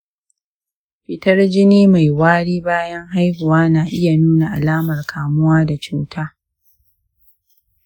fitar jini mai wari bayan haihuwa na iya nuna alamar kamuwa da cuta